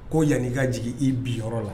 Ko yan'i ka jigin i bi yɔrɔ la